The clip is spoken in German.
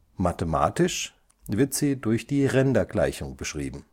Mathematisch wird sie durch die Rendergleichung beschrieben